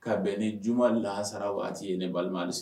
Ka bɛn ni juma lansara waati ye ne balima